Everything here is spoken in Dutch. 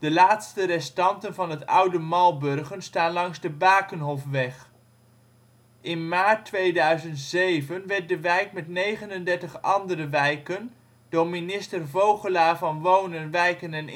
laatste restanten van het oude Malburgen staan langs de Bakenhofweg. In maart 2007 werd de wijk met 39 andere wijken door minister Vogelaar van Wonen, Wijken en Integratie